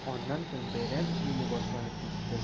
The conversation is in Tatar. Аннан соң бәйрәм җыены башланып китте.